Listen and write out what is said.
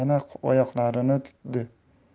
yana oyoqlarini tutdi